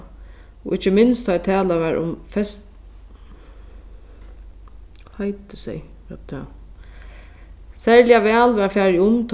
og ikki minst tá ið talan var um feitiseyð hvat er tað serliga væl varð farið um